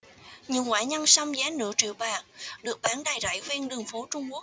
những quả nhân sâm giá nửa triệu bạc được bán đầy rẫy ven đường phố trung quốc